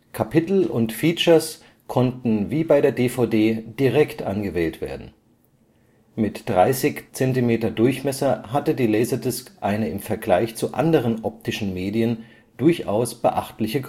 Kapitel und Features konnten wie bei der DVD direkt angewählt werden. Mit 30 cm Durchmesser hatte die Laserdisc eine im Vergleich zu anderen optischen Medien durchaus beachtliche